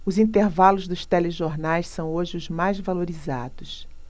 os intervalos dos telejornais são hoje os mais valorizados